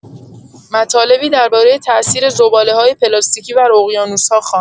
مطالبی درباره تاثیر زباله‌های پلاستیکی بر اقیانوس‌ها خواند.